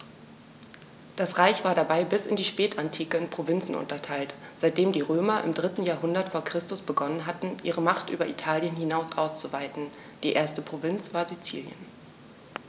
Das Reich war dabei bis in die Spätantike in Provinzen unterteilt, seitdem die Römer im 3. Jahrhundert vor Christus begonnen hatten, ihre Macht über Italien hinaus auszuweiten (die erste Provinz war Sizilien).